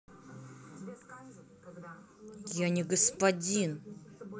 я не господин